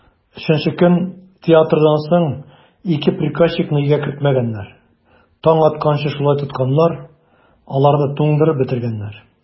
Өченче көн театрдан соң ике приказчикны өйгә кертмәгәннәр, таң атканчы шулай тотканнар, аларны туңдырып бетергәннәр.